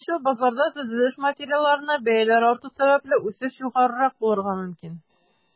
Беренчел базарда, төзелеш материалларына бәяләр арту сәбәпле, үсеш югарырак булырга мөмкин.